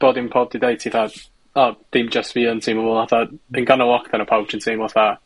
bob dim pawb 'di ddeud ti 'tha, o dim jyst fi yn teimlo fel fatha dwi'n gynno pawb sy'n teimlo fatha